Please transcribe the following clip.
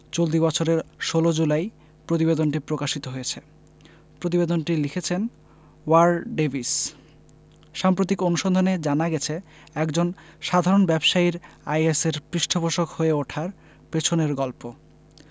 চলতি বছরের ১৬ জুলাই প্রতিবেদনটি প্রকাশিত হয়েছে প্রতিবেদনটি লিখেছেন ওয়্যার ডেভিস সাম্প্রতিক অনুসন্ধানে জানা গেছে একজন সাধারণ ব্যবসায়ীর আইএসের পৃষ্ঠপোষক হয়ে ওঠার পেছনের গল্প